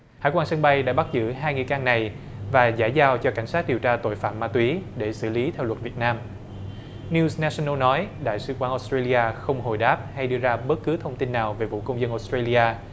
hải quan sân bay đã bắt giữ hai nghi can này và giải giao cho cảnh sát điều tra tội phạm ma túy để xử lý theo luật việt nam niu ne sần nồ nói đại sứ quán ốt trây li a không hồi đáp hay đưa ra bất cứ thông tin nào về vụ công dân ốt trây li a